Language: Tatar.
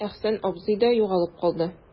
Әхсән абзый да югалып калды.